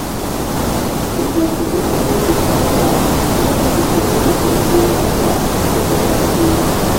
Mickelson tí ó wà ní ìpò ìpalára ní wọ́n dájókòó ní Ìfe ẹ̀yẹ Ryder ní ọjọ́ Sátidé